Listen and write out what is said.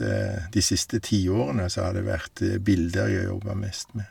De siste tiårene så har det vært bilder jeg har jobba mest med.